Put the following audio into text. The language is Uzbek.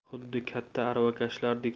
xuddi katta aravakashlardek